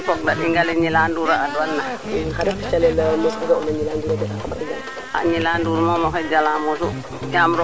i nget meeke fe o tewo maax koy a o tewo xe ga am ndeta mete ndeta salade ka yiye mooy lolou daal cungim xaƴoŋ o simnir fo o fogole